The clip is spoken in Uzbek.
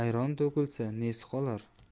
ayron to'kilsa nesi qolar